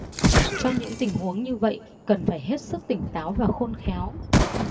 trong những tình huống như vậy cần phải hết sức tỉnh táo và khôn khéo